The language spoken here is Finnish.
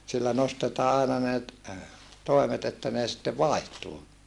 sillä nostetaan aina ne - toimet että ne sitten vaihtuu